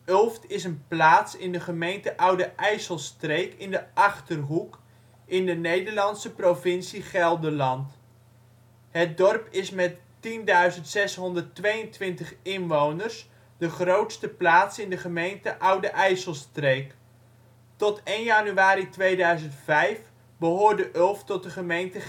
Ulft is een plaats in de gemeente Oude IJsselstreek in de Achterhoek, in de Nederlandse provincie Gelderland. Het dorp is met 10.622 (1-1-2010) inwoners de grootste plaats in de gemeente Oude IJsselstreek. Tot 1 januari 2005 behoorde Ulft tot de gemeente Gendringen